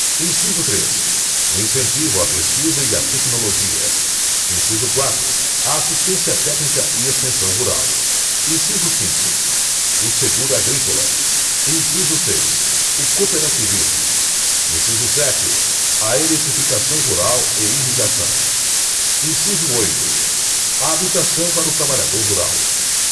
inciso três o incentivo à pesquisa e à tecnologia inciso quatro a assistência técnica e extensão rural inciso cinco o seguro agrícola inciso seis o cooperativismo inciso sete a eletrificação rural e irrigação inciso oito a habitação para o trabalhador rural